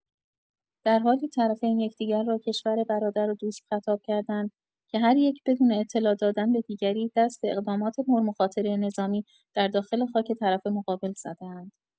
در حالی طرفین یکدیگر را کشور «برادر» و «دوست» خطاب کرده‌اند که هر یک بدون اطلاع دادن به دیگری دست به اقدامات پرمخاطره نظامی در داخل خاک طرف مقابل زده‌اند.